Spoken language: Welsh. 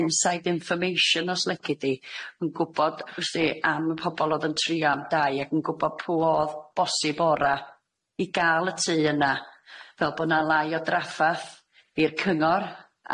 inside information os lici di yn gwbod w'sdi am y pobol o'dd yn trio am dai ag yn gwbod pw o'dd bosib ora' i ga'l y tŷ yna fel bo' na lai o draffath i'r cyngor,